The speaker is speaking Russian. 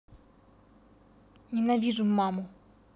ненавижу маму